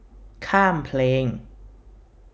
ข้ามเพลง